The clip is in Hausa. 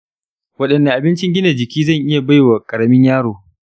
wadanne abincin gina jiki zan iya bai wa ƙaramin yaro?